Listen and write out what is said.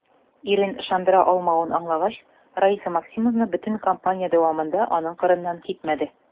Ирен ышандыра алмавын аңлагач, Раиса Максимовна бөтен кампания дәвамында аның кырыннан китмәде.